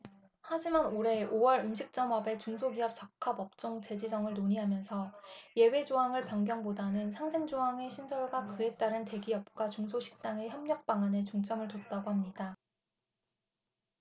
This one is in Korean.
하지만 올해 오 월 음식점업의 중소기업적합업종 재지정을 논의하면서 예외조항을 변경보다는 상생 조항의 신설과 그에 따른 대기업과 중소식당의 협력 방안에 중점을 뒀다고 합니다